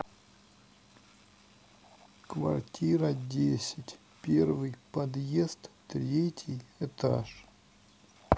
квартира десять первый подъезд третий этаж